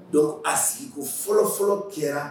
Don a sigi fɔlɔfɔlɔ kɛra